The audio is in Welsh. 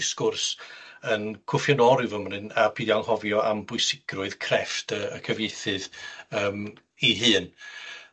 sgwrs yn cwffio nôl ryw fymryn a peidio anghofio am bwysigrwydd crefft y y cyfieithydd yym 'i hun.